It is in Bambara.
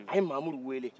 a ye mamudu wele